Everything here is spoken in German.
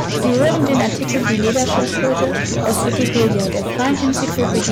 Sie hören den Artikel Lederschildkröte, aus Wikipedia, der freien Enzyklopädie